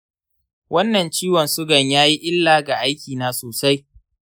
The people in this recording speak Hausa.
wannan ciwon sugan yayi illa ga aikina sosai.